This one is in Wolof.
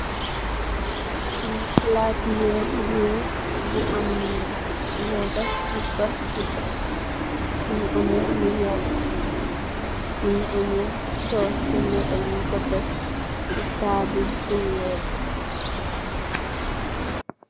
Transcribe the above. Lee palate werr bu weex mu am leka sepa sepa muge ameh lu werte muge ameh suss bu neteh nugku tek se taabul bu weex.